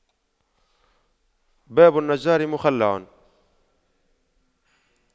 باب النجار مخَلَّع